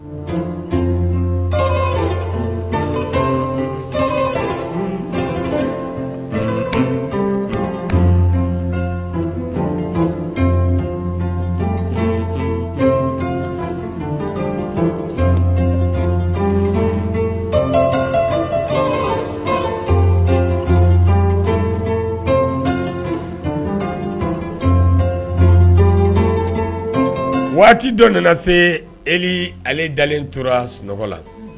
Waati dɔ nana se e ale dalen tora sunɔgɔ la